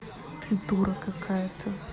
ты дура какая то